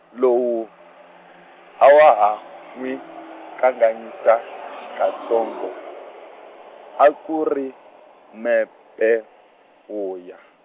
lowu, a wa ha n'wi, kanganyisa katsongo, a ku ri, mep- -pe, wo ya.